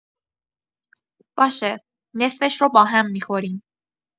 باشه، نصفش رو با هم می‌خوریم.